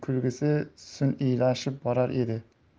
kulgisi suniylashib borar edi